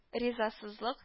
Ризасызлык